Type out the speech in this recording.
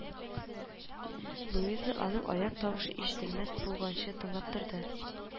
Луиза аның аяк тавышы ишетелмәс булганчы тыңлап торды